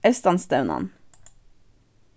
eystanstevnan